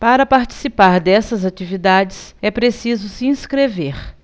para participar dessas atividades é preciso se inscrever